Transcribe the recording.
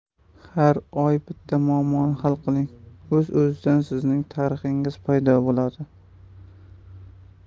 har oy bitta muammoni hal qiling o'z o'zidan sizning tarixingiz paydo bo'ladi